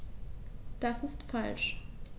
Das ist falsch.